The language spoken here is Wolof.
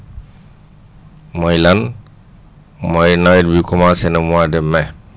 mooy lan mooy nawet bi comencé na mois de mai